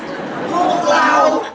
thuốc lào